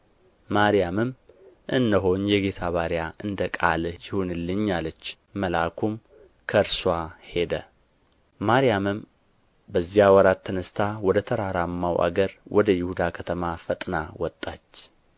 ማርያምም እነሆኝ የጌታ ባሪያ እንደ ቃልህ ይሁንልኝ አለች መልአኩም ከእርስዋ ሄደ ማርያምም በዚያ ወራት ተነሥታ ወደ ተራራማው አገር ወደ ይሁዳ ከተማ ፈጥና ወጣች